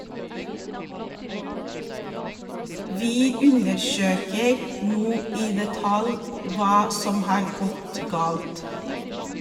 - Vi undersøker nå i detalj hva som har gått galt.